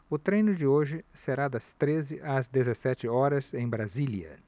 o treino de hoje será das treze às dezessete horas em brasília